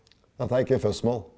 dette er ikke fiss-moll.